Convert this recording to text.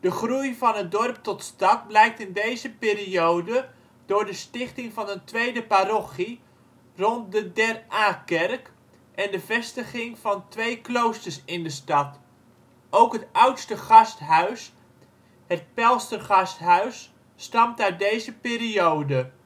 groei van dorp tot stad blijkt in deze periode door de stichting van een tweede parochie rond de Der Aa-kerk en de vestiging van twee kloosters in de stad. Ook het oudste gasthuis, het Pelstergasthuis, stamt uit deze periode